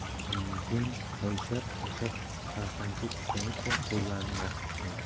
junchoyshab tashlab chalqancha tushganicha qo'llarini yostiq qildi